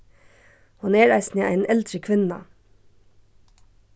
hon er eisini ein eldri kvinna